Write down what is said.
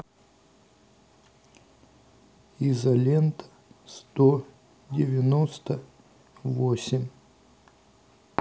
изолента сто девяносто восемь